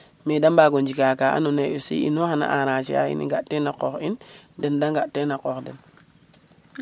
Mais da mbaag o njika ka aussi ino xana enranger a in i nga' teen a qox in den da nga ten a qooq den.